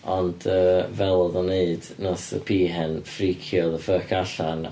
Ond yy fel oedd o'n wneud, wnaeth y peahen frîcio the fuck allan...